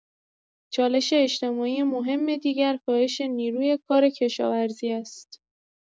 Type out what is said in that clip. چالش اجتماعی مهم دیگر کاهش نیروی کار کشاورزی است.